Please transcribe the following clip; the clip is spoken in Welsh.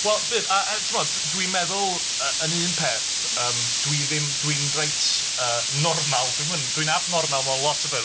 Wel bydd, a hefyd timod, dwi meddwl yy yn un peth yym, dwi ddim... dwi'n reit yy normal dwi'm yn... dwi'n abnormal mewn lots o ffyrdd.